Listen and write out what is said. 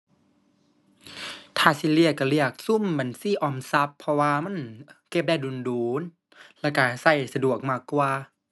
ถ้าสิเลือก ก็เลือกซุมบัญชีออมทรัพย์ เพราะว่ามันเก็บได้โดนโดน แล้วก็ก็สะดวกมากกว่า